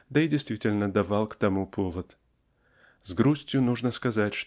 да и действительно давал к тому повод. С грустью нужно сказать